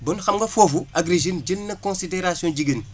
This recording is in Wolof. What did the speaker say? bon xam nga foofu agri Jeunes jël na considération jigéen